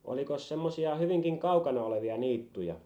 olikos semmoisia hyvinkin kaukana olevia niittyjä